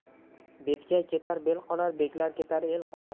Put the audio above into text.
betkay ketar bel qolar beklar ketar el qolar